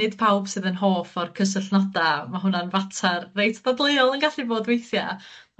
nid pawb sydd yn hoff o'r cysyllnoda, ma' hwnna'n fater reit dadleuol yn gallu bod weithia'